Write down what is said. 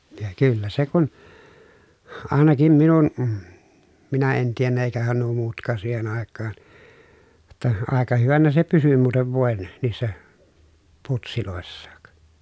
ja kyllä se kun ainakin minun minä en tiennyt eikähän nuo muutkaan siihen aikaan jotta aika hyvänä se pysyi muuten voin niissä putseissakin